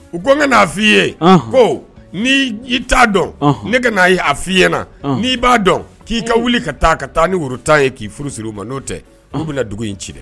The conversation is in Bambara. U ko nkɛ n'a f' ii ye ko ni i t'a dɔn ne ka n' a fɔ ii ye na n'i b'a dɔn k'i ka wuli ka taa ka taa ni woro tan ye k'i furu siri u ma n'o tɛ n bɛna na dugu in ci dɛ